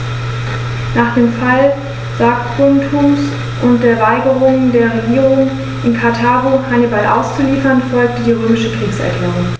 Nach dem Fall Saguntums und der Weigerung der Regierung in Karthago, Hannibal auszuliefern, folgte die römische Kriegserklärung.